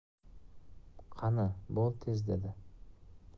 qani bo'l tez dedi